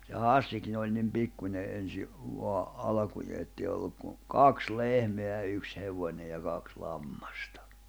ja Hassikin oli niin pikkuinen ensin vain alkujaan että ei ollut kuin kaksi lehmää ja yksi hevonen ja kaksi lammasta